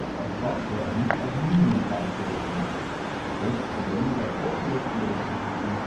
als vaste en niet als minimum-tijd gedefinieerd. Deze problemen werden opgelost in deze revisie